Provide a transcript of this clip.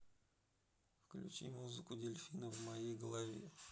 включи музыку дельфины в моей голове